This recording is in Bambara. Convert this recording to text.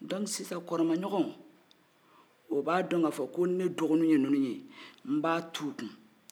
dɔnki sisan kɔrɔmaɲɔgɔw o b'a dɔn ka fɔ ko ne dɔgɔni ye ninnu ye n t'u kun